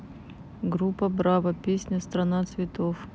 группа браво песня страна цветов